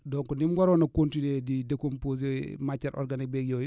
donc ni mu waroon a continuer di décomposer matière organique beeg yooyu